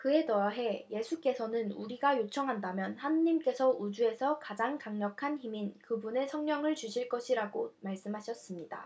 그에 더해 예수께서는 우리가 요청한다면 하느님께서 우주에서 가장 강력한 힘인 그분의 성령을 주실 것이라고 말씀하셨습니다